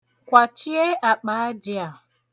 Kwachie akpa ajị a.